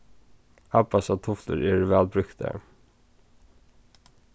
abbasa tuflur eru væl brúktar